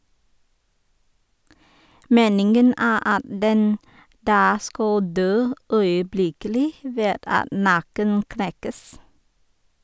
Meningen er at den da skal dø øyeblikkelig ved at nakken knekkes.